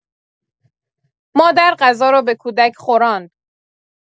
مادر غذا را به کودک خوراند